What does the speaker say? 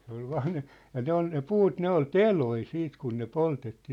se oli vain ne ja ne oli ne puut ne oli teloja sitten kun ne poltettiin